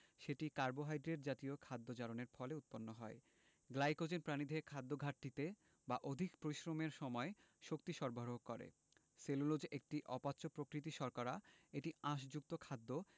সেটি কার্বোহাইড্রেট জাতীয় খাদ্য জারণের ফলে উৎপন্ন হয় গ্লাইকোজেন প্রাণীদেহে খাদ্যঘাটতিতে বা অধিক পরিশ্রমের সময় শক্তি সরবরাহ করে সেলুলোজ একটি অপাচ্য প্রকৃতির শর্করা এটি আঁশযুক্ত খাদ্য